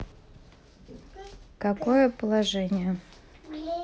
какое положение